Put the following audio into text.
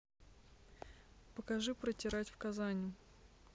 покажи протирать в казани